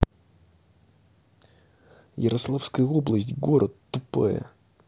ярославская область город тупая